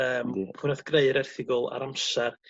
yym pw' nath greu'r erthygl ar amser